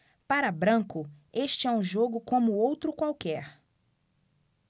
para branco este é um jogo como outro qualquer